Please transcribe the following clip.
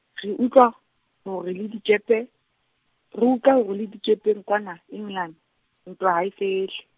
re utlwa, hore le dikepe, re utlwa hore le dikepeng kwana, Engelane, ntwa ha e fele.